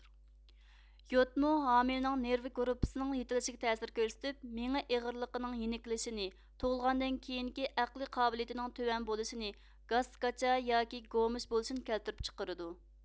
يودمۇ ھامىلىنىڭ نېرۋا گۇرۇپپىسىنىڭ يېتىلىشىگە تەسىر كۆرسىتىپ مېڭە ئېغىرلىقىنىڭ يېنىكلىشىنى تۇغۇلغاندىن كېيىنكى ئەقلىي قابىلىيىتىنىڭ تۆۋەن بولۇشىنى گاس گاچا ياكى گومۇش بولۇشىنى كەلتۈرۈپ چىقىرىدۇ